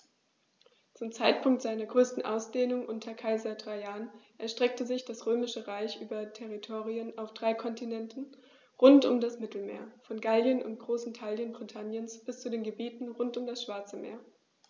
Zum Zeitpunkt seiner größten Ausdehnung unter Kaiser Trajan erstreckte sich das Römische Reich über Territorien auf drei Kontinenten rund um das Mittelmeer: Von Gallien und großen Teilen Britanniens bis zu den Gebieten rund um das Schwarze Meer.